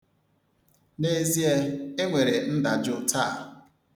N'ezie, e nwere ndajụ taa.